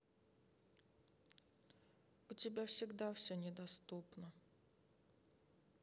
у тебя всегда все недоступно